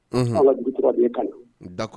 A duturabilen ka na da